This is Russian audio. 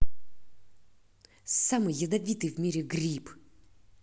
самый ядовитый в мире гриб